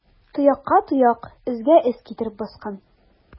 Тоякка тояк, эзгә эз китереп баскан.